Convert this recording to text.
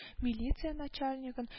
Милиция начальнигын